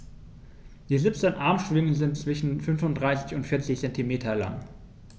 Die 17 Armschwingen sind zwischen 35 und 40 cm lang.